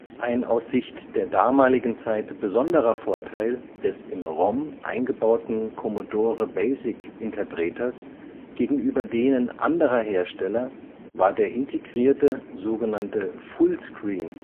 Ein aus Sicht der damaligen Zeit besonderer Vorteil des im ROM eingebauten Commodore-BASIC-Interpreters gegenüber denen anderer Hersteller war der integrierte, so genannte „ Fullscreen-Editor